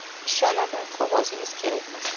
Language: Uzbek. ishonaman qog'ozingiz kerakmas